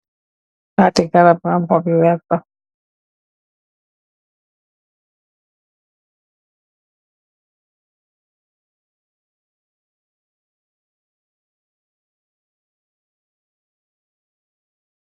Tatti garam bu am xop yu werta.